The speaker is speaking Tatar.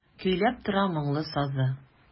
Көйләп тора моңлы сазы.